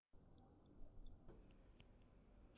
མུན ནག གྱི ཁྲོད དུ